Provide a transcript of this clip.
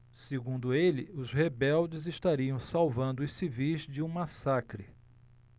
segundo ele os rebeldes estariam salvando os civis de um massacre